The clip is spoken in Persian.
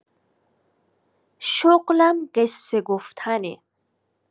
شغلم قصه گفتنه.